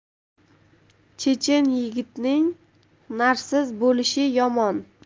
chechen yigitning hunarsiz bo'lishi yomon